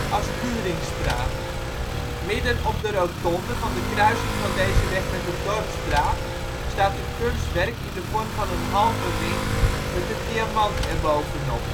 als Luringstraat. Midden op de rotonde van de kruising van deze weg met de Dorpsstraat staat een kunstwerk in de vorm van een halve ring met een diamant er bovenop